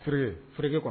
Urur kɔnɔ